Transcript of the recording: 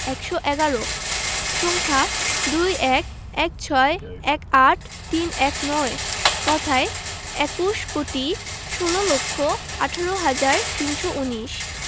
একশো এগারো সংখ্যাঃ ২১ ১৬ ১৮ ৩১৯ কথায়ঃ একুশ কোটি ষোল লক্ষ আঠারো হাজার তিনশো উনিশ